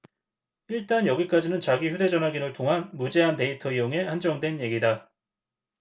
일단 여기까지는 자기 휴대전화기를 통한 무제한 데이터 이용에 한정된 얘기다